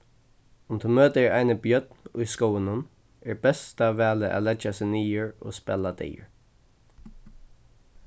um tú møtir eini bjørn í skóginum er besta valið at leggja seg niður og spæla deyður